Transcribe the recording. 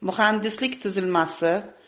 muhandislik tuzilmasi